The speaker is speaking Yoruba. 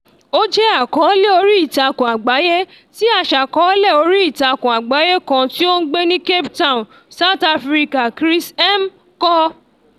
Ó jẹ́ àkọọ́lẹ̀ oríìtakùn àgbáyé tí aṣàkọọ́lẹ̀ oríìtakùn àgbáyé kan tí ó ń gbé ní Cape Town, South Africa, Chris M. kọ.